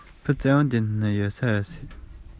རྒད མོང ལ སྟེར ཆད བྱེད པའི